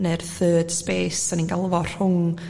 ne'r third space sa'n ni'n galw fo rhwng